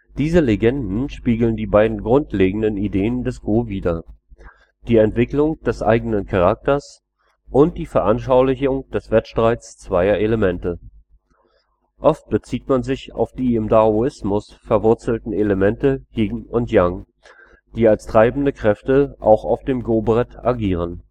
Diese Legenden spiegeln die beiden grundlegenden Ideen des Go wider: die Entwicklung des eigenen Charakters und die Veranschaulichung des Wettstreits zweier Elemente. Oft bezieht man sich auf die im Daoismus verwurzelten Elemente Yin und Yang, die als treibende Kräfte auch auf dem Go-Brett agieren